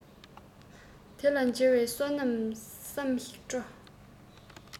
འདི ལ མཇལ བའི བསོད ནམས བསམ ཞིང སྤྲོ